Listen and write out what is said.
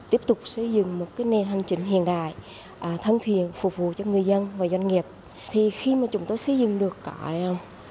tiếp tục xây dựng một cái nền hành chính hiện đại thân thiện phục vụ cho người dân và doanh nghiệp thì khi mà chúng tôi xây dựng được cái